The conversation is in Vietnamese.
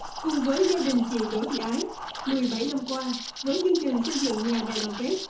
cùng với gia đình chị đỗ thị ái mười bảy năm qua với chương trình xây dựng nhà đại đoàn kết